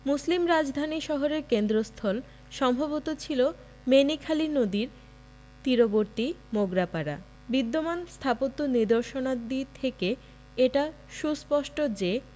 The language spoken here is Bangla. মুসলিম রাজধানী শহরের কেন্দ্রস্থল সম্ভবত ছিল মেনিখালী নদীর তীরবর্তী মোগরাপাড়া বিদ্যমান স্থাপত্য নিদর্শনাদি থেকে এটা সুস্পষ্ট যে